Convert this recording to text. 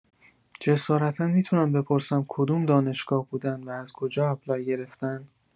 جسارتا می‌تونم بپرسم کدوم دانشگاه بودن و از کجا اپلای گرفتن؟